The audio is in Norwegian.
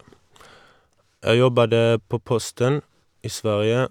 Jeg jobbet på posten i Sverige.